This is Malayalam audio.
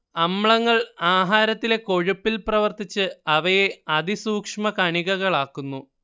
അമ്ലങ്ങൾ ആഹാരത്തിലെ കൊഴുപ്പിൽ പ്രവർത്തിച്ച് അവയെ അതിസൂക്ഷ്മകണികകളാക്കുന്നു